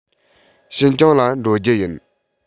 ཤིན ཅང ལ འགྲོ རྒྱུ ཡིན